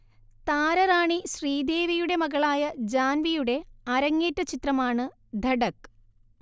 താരറാണി ശ്രീദേവിയുടെ മകളായ ജാൻവിയുടെ അരങ്ങേറ്റ ചിത്രമാണ് ധഡക്